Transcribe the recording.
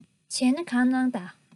བྱས ན གང བླུགས དང